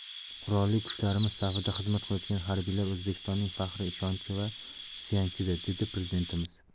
qurolli kuchlarimiz safida xizmat qilayotgan harbiylar o'zbekistonning faxri ishonchi va suyanchidir dedi prezidentimiz